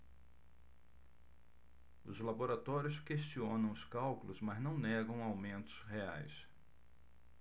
os laboratórios questionam os cálculos mas não negam aumentos reais